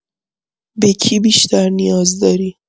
به کی بیشتر نیاز داری؟